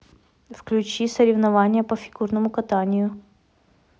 включи соревнования по фигурному катанию